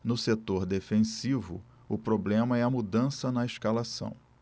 no setor defensivo o problema é a mudança na escalação